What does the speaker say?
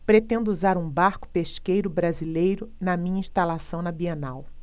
pretendo usar um barco pesqueiro brasileiro na minha instalação na bienal